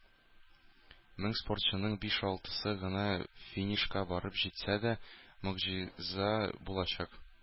Мең спортчының биш-алтысы гына финишка барып җитсә дә, могҗиза булачак.